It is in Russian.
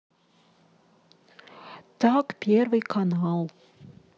так первый канал